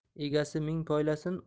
egasi ming poylasin